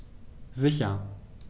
Sicher.